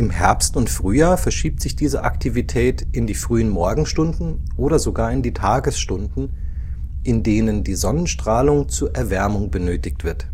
Herbst und Frühjahr verschiebt sich diese Aktivität in die frühen Morgenstunden oder sogar in die Tagesstunden, in denen die Sonnenstrahlung zur Erwärmung benötigt wird